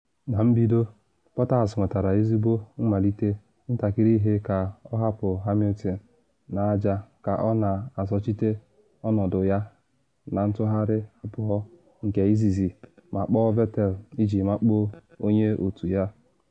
Na mbido, Bottas nwetara ezigbo mmalite, ntakịrị ihe ka ọ hapụ Hamilton na aja ka ọ na azọchite ọnọdụ ya na ntụgharị abụọ nke izizi ma kpọọ Vettel iji makpuo onye otu ya.